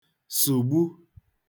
sụ̀gbu